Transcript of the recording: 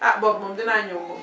ah boobu moom dinaa ñëw moom